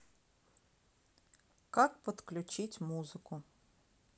как подключить музыку